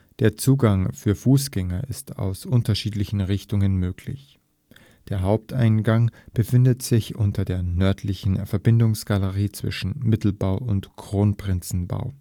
Der Zugang für Fußgänger ist aus unterschiedlichen Richtungen möglich: Der Haupteingang befindet sich unter der nördlichen Verbindungsgalerie zwischen Mittelbau und Kronprinzenbau